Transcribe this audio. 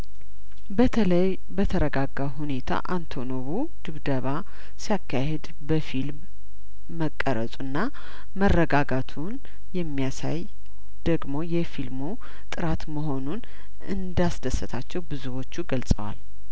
በተለይ በተረጋጋ ሁኔታ አንቶኖቩ ድብደባ ሲያካሂድ በፊልም መቀረጹና መረጋጋቱን የሚያሳይደግሞ የፊልሙ ጥራት መሆኑን እንዳስ ደሰታቸው ብዙዎቹ ገልጸዋል